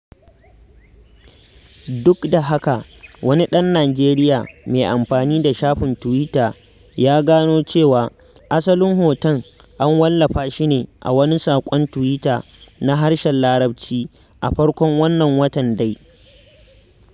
Duk da haka, wani ɗan Nijeriya mai amfani da shafin tuwita ya gano cewa asalin hoton an wallafa shi ne a wani saƙon tuwita na harshen Larabci a farkon wannan watan dai.